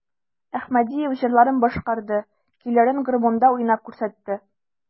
Әхмәдиев җырларын башкарды, көйләрен гармунда уйнап күрсәтте.